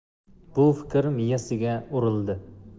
bu fikr miyasiga urildi